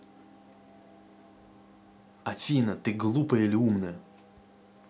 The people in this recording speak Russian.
афина ты глупая или умная